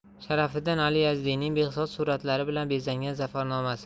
sharafid din ali yazdiyning behzod suratlari bilan bezangan zafarnomasi